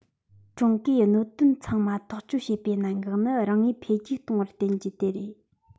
ཀྲུང གོས གནད དོན ཚང མ ཐག གཅོད བྱེད པའི གནད འགག ནི རང ངོས འཕེལ རྒྱས གཏོང བར བརྟེན རྒྱུ དེ རེད